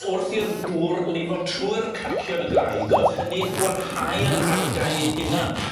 Wrth i'r dŵr lifo trwy'r cracie yn graig o'dd hynny'n gwanhau'r argae ei hunan.